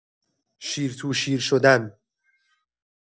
شیر تو شیر شدن